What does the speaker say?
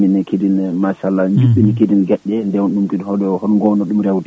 min keeɗima machallah yimɓe foof ene keeɗi gueɗe ɗe ndewna ɗum to hono gowno ɗum rewde